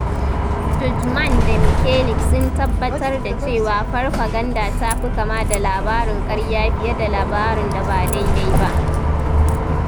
Tudjman da Mikelic sun tabbatar da cewa farfaganda ta fi kama da labarin ƙarya fiye da labarin da ba daidai ba.